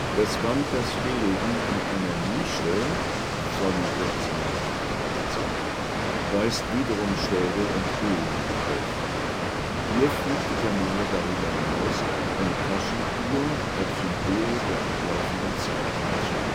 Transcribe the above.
Das Vanitasstillleben in einer Nische von 1688 weist wiederum Schädel und Öllampe auf. Hier fügte der Maler darüber hinaus eine Taschenuhr als Symbol der ablaufenden Zeit hinzu